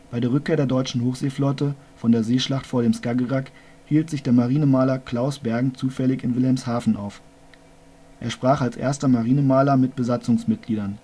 Bei der Rückkehr der Deutschen Hochseeflotte von der Seeschlacht vor dem Skagerrak hielt sich der Marinemaler Claus Bergen zufällig in Wilhelmshaven auf. Er sprach als erster Marinemaler mit Besatzungsmitgliedern